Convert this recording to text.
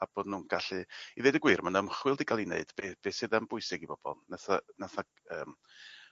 a bod nw'n gallu... I ddeud y gwir ma' 'na ymchwil 'di ga'l i wneud be- beth sydd am bwysig i bobol nath y nath y yym